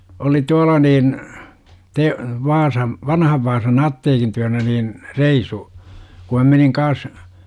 oli tuolla niin - Vaasan vanhan Vaasan apteekin työnä niin reisun kun minä menin kanssa